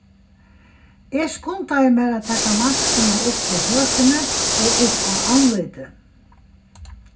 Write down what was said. eg skundaði mær at taka maskuna upp frá høkuni og upp á andlitið